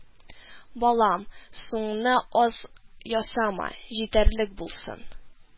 – балам, суыңны аз ясама, җитәрлек булсын